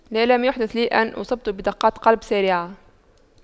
لا لم يحدث لي أن أصبت بدقات قلب سريعة